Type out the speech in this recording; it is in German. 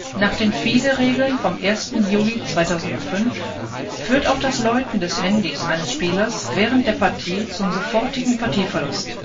Nach den FIDE-Regeln vom 1. Juli 2005 führt auch das Läuten des Handys eines Spielers während der Partie zum sofortigen Partieverlust